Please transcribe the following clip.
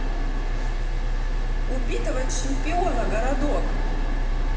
убитого чемпиона городок